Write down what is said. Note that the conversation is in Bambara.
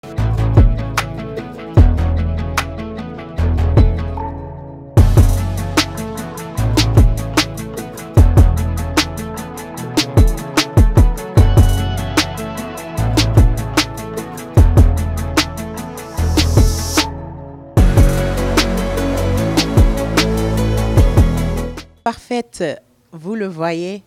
Maa bafe tɛ wufa ye